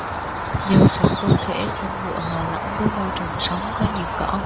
nhờ sọc cơ thể con ngựa hòa lẫn với môi trường sống có nhiều cỏ